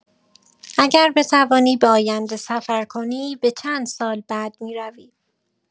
اگر بتوانی به آینده سفر کنی به چند سال بعد می‌روی؟